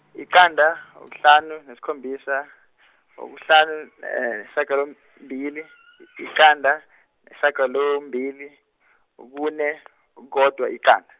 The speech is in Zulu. iqanda, kuhlano nesikhombisa, okuhlano shagalombili, yiqanda, ishagalombili, okune, okodwa, iqanda.